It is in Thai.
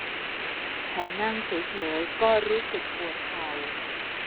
ฉันนั่งเฉยเฉยก็รู้สึกปวดเข่า